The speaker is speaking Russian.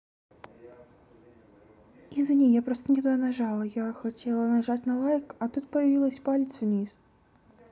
извини я просто не туда нажала я хотела нажать на лайк а тут появилась палец вниз